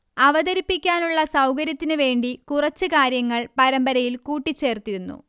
അവതരിപ്പിക്കാനുള്ള സൗകര്യത്തിനു വേണ്ടി കുറച്ച് കാര്യങ്ങൾ പരമ്പരയിൽ കൂട്ടിച്ചേർത്തിരുന്നു